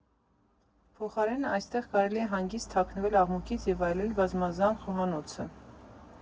Փոխարենը, այստեղ կարելի է հանգիստ թաքնվել աղմուկից և վայելել բազմազան խոհանոցը։